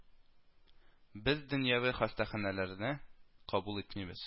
Без дөньяви хастаханәләрне кабул итмибез